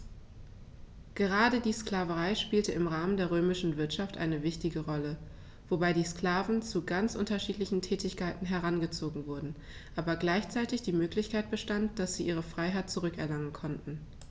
Gerade die Sklaverei spielte im Rahmen der römischen Wirtschaft eine wichtige Rolle, wobei die Sklaven zu ganz unterschiedlichen Tätigkeiten herangezogen wurden, aber gleichzeitig die Möglichkeit bestand, dass sie ihre Freiheit zurück erlangen konnten.